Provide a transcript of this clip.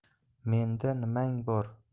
menda nimang bor